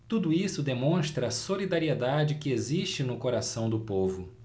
tudo isso demonstra a solidariedade que existe no coração do povo